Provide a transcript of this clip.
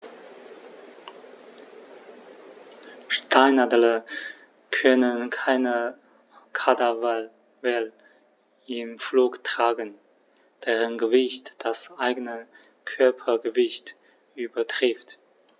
Steinadler können keine Kadaver im Flug tragen, deren Gewicht das eigene Körpergewicht übertrifft.